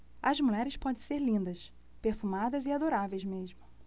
as mulheres podem ser lindas perfumadas e adoráveis mesmo